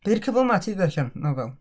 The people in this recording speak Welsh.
Be 'dy'r cyflyma ti 'di darllan nofel?